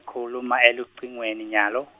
khuluma elucingweni nyalo.